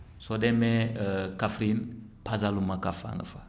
soo demee Kaffrine Pazalumacafa a nga fa